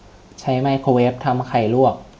ใช้ไมโครเวฟทำไข่ลวก